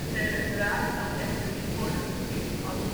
Telegraaf kan echter niet worden gezien als